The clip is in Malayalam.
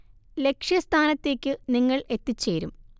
ലക്ഷ്യസ്ഥാനത്തേക്ക് നിങ്ങൾ എത്തിച്ചേരും